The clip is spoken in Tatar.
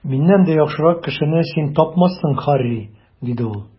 Миннән дә яхшырак кешене син тапмассың, Һарри, - диде ул.